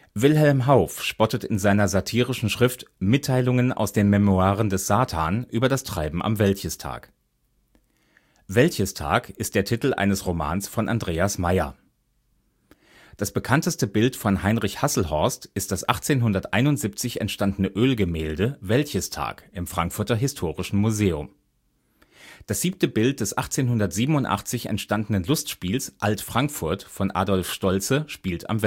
Wilhelm Hauff spottet in seiner satirischen Schrift Mitteilungen aus den Memoiren des Satan über das Treiben am Wäldchestag. Wäldchestag ist der Titel eines Romans von Andreas Maier Das bekannteste Bild von Heinrich Hasselhorst ist das 1871 entstandene Ölgemälde Wäldchestag im Frankfurter Historischen Museum. Das siebte Bild des 1887 entstandenen Lustspiels Alt-Frankfurt von Adolf Stoltze spielt am